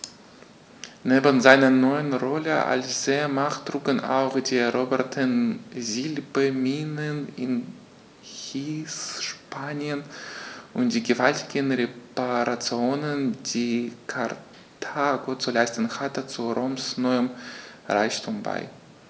Neben seiner neuen Rolle als Seemacht trugen auch die eroberten Silberminen in Hispanien und die gewaltigen Reparationen, die Karthago zu leisten hatte, zu Roms neuem Reichtum bei.